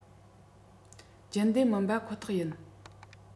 རྒྱུན ལྡན མིན པ ཁོ ཐག ཡིན